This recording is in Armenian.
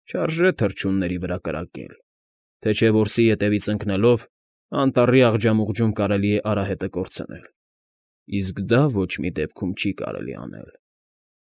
Չարժե թռչունների վրա կրակել, թե չէ, որսի ետևից ընկնելով, անտառի աղջամուղջում կարելի է արահետը կորցնել, իսկ դա ոչ մի դպքում չի կարելի անել։